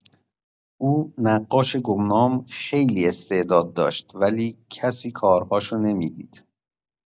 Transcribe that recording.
اون نقاش گمنام خیلی استعداد داشت ولی کسی کارهاشو نمی‌دید.